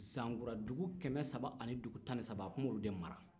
zankura dugu kɛmɛ saba ani dugu tan ni saba a tun b'olu de mara